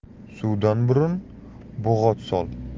suvdan burun bo'g'ot sol